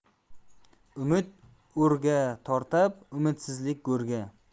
umid o'rga tortar umidsizlik go'rga